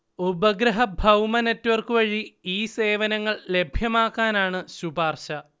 ഉപഗ്രഹ ഭൗമ നെറ്റ്വർക്ക് വഴി ഈ സേവനങ്ങൾ ലഭ്യമാക്കാനാണു ശുപാർശ